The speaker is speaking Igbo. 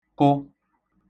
kụ